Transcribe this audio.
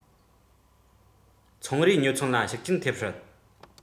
ཚོང རའི ཉོ ཚོང ལ ཤུགས རྐྱེན ཐེབས སྲིད